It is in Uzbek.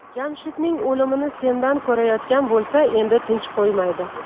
jamshidning o'limini sendan ko'rayotgan bo'lsa endi tinch qo'ymaydi